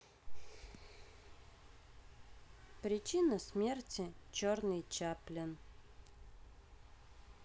причина смерти черный чаплин